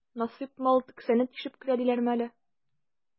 Насыйп мал кесәне тишеп керә диләрме әле?